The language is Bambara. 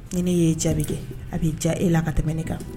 Ni' ne y'e jaabi kɛ a b'i ja e la ka tɛmɛ ne kan